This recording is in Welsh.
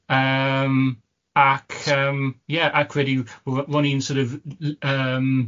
Yym ac yym ie ac wedi r- ro'n i'n sort of yym